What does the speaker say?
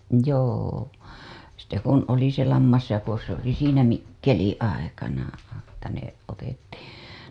joo sitten kun oli se lammasjako se oli siinä mikkelin aikana että ne otettiin